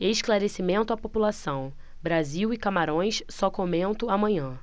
esclarecimento à população brasil e camarões só comento amanhã